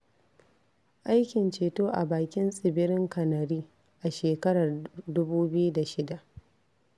Aikin ceto a bakin Tsibirin Kanari a shekarar 2006.